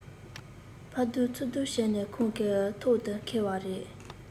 ཕར སྡུར ཚུར སྡུར བྱས ནས ཁོང གི ཐོག ཏུ འཁེལ བ རེད